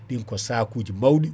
ɗin ko sakuji mawɗi